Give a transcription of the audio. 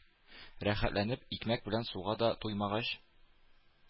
Рәхәтләнеп икмәк белән суга да туймагач,